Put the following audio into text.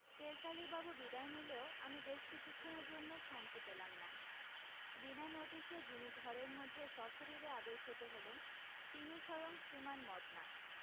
তেলকালিবাবু বিদায় নিলেও আমি বেশ কিছুক্ষণের জন্যে শান্তি পেলাম না বিনা নোটিশে যিনি ঘরের মধ্যে সশরীরে আবির্ভূত হলেন তিনি স্বয়ং শ্রীমান মদনা